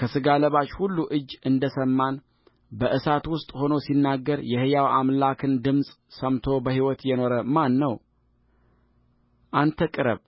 ከሥጋ ለባሽ ሁሉ እኛ እንደ ሰማን በእሳት ውስጥ ሆኖ ሲናገር የሕያው አምላክን ድምፅ ሰምቶ በሕይወቱ የኖረ ማን ነው አንተ ቅረብ